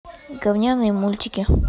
говняные мультики